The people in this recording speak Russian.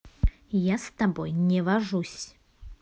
я с тобой не вожусь